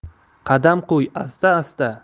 qadam qo'y asta asta